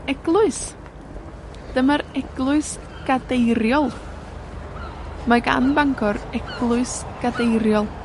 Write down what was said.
eglwys. Dyma'r eglwys gadeiriol. Mae gan Bangor eglwys gadeiriol.